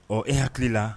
Ɔ e hakili la